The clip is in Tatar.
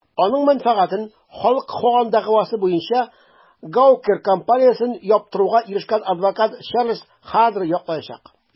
Аның мәнфәгатен Халк Хоган дәгъвасы буенча Gawker компаниясен яптыруга ирешкән адвокат Чарльз Хардер яклаячак.